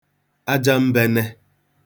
ajambēnē